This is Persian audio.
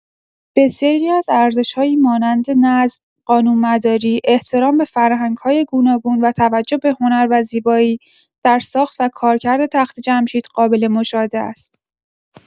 بسیاری از ارزش‌هایی مانند نظم، قانون‌مداری، احترام به فرهنگ‌های گوناگون و توجه به هنر و زیبایی، در ساخت و کارکرد تخت‌جمشید قابل‌مشاهده است.